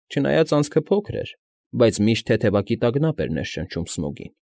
Չնայած անցքը փոքր էր, բայց միշտ թեթևակի տանգապ էր ներշնչում Սմոգին։